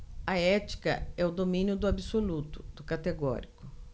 a ética é o domínio do absoluto do categórico